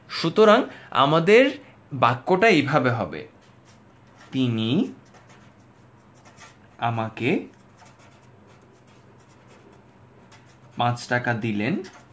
সুতরাং আমাদের বাক্যটা এভাবে হবে তিনি আমাকে ৫ টাকা দিলেন